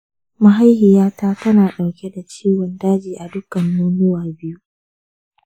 mahaifiyata ta na ɗauke da ciwon daji a duka nonuwa biyu